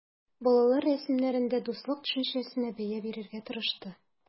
Балалар рәсемнәрендә дуслык төшенчәсенә бәя бирергә тырышты.